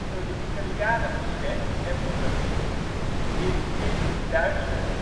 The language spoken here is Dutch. door de Italianen bezet en Mussolini, geïrriteerd door de Duitse successen